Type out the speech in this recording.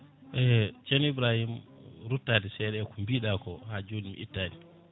e ceerno Ibrahima ruttade seeɗa eko mbiɗa ko ha joni mi ittani